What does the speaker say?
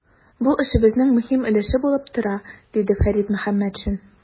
Бу эшебезнең мөһим өлеше булып тора, - диде Фәрит Мөхәммәтшин.